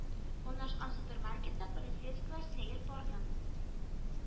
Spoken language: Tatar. Урнашкан супермаркетта полицейскийлар сәер парны